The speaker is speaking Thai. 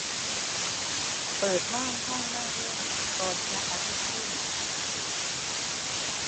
เปิดม่านห้องนั่งเล่นตอนพระอาทิตย์ขึ้น